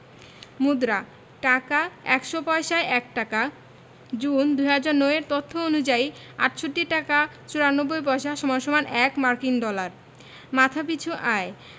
মুদ্রাঃ টাকা ১০০ পয়সায় ১ টাকা জুন ২০০৯ এর তথ্য অনুযায়ী ৬৮ টাকা ৯৪ পয়সা = ১ মার্কিন ডলার মাথাপিছু আয়